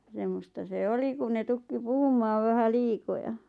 semmoista se oli kun ne tukki puhumaan vähän liikoja